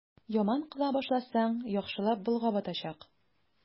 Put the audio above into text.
Яман кыла башласаң, яхшылар болгап атачак.